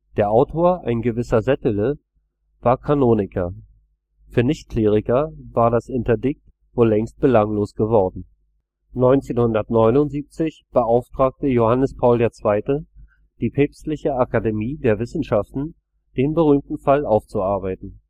Der Autor, ein gewisser Settele, war Kanoniker. Für Nicht-Kleriker war das Interdikt wohl längst belanglos geworden. 1979 beauftragte Johannes Paul II. die Päpstliche Akademie der Wissenschaften, den berühmten Fall aufzuarbeiten